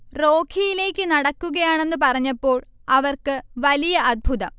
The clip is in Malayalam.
റോഘിയിലേക്ക് നടക്കുകയാണെന്ന് പറഞ്ഞപ്പോ അവർക്ക് വലിയ അത്ഭുതം